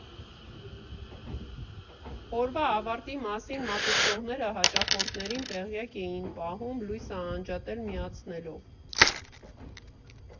Օրվա ավարտի մասին մատուցողները հաճախորդներին տեղյակ էին պահում լույսը անջատել֊միացնելով։